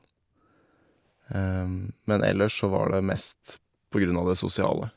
Men ellers så var det mest på grunn av det sosiale.